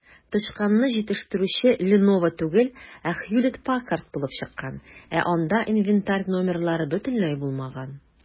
Тычканны җитештерүче "Леново" түгел, ә "Хьюлетт-Паккард" булып чыккан, ә анда инвентарь номерлары бөтенләй булмаган.